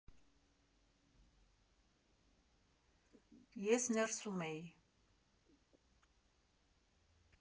Ես ներսում էի։